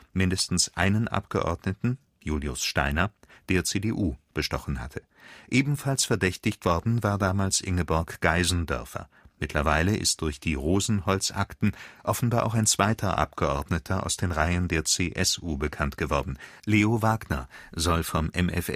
mindestens einen Abgeordneten (Julius Steiner) der CDU bestochen hatte. Ebenfalls verdächtigt worden war damals Ingeborg Geisendörfer. Mittlerweile ist durch die Rosenholz-Akten offenbar auch ein zweiter Abgeordneter aus den Reihen der CSU bekanntgeworden: Leo Wagner soll vom MfS